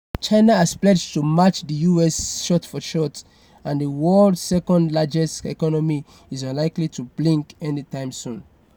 China has pledged to match the US shot-for-shot, and the world's second largest economy is unlikely to blink anytime soon.